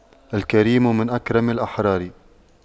الكريم من أكرم الأحرار